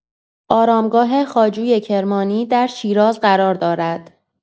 آرامگاه خواجوی کرمانی در شیراز قرار دارد.